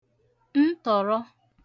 ntọ̀rọ